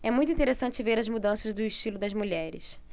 é muito interessante ver as mudanças do estilo das mulheres